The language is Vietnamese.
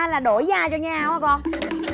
á là đổi vai cho nhau á hả con